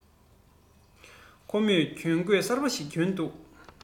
ཁོ མོས གྱོན གོས གསར པ ཞིག གྱོན འདུག